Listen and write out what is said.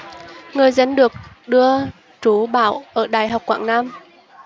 người dân được đưa trú bão ở đại học quảng nam